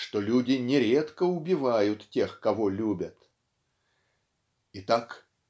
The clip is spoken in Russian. что люди нередко убивают тех кого любят. Итак